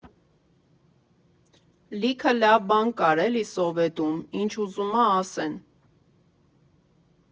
Լիքը լավ բան կար էլի Սովետում, ինչ ուզում ա ասեն։